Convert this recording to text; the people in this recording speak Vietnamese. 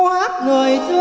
hát